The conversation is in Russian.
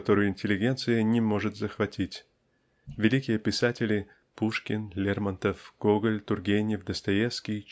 которую интеллигенция не может захватить. Великие писатели Пушкин Лермонтов Гоголь Тургенев Достоевский